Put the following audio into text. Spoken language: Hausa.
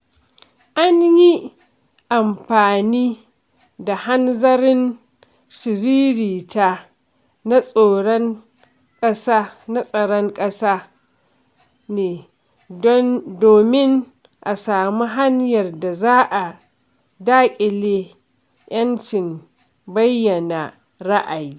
An yi amfani da hanzarin shiririta na "tsaron ƙasa" ne domin a samu hanyar da za a daƙile 'yancin bayyana ra'ayi.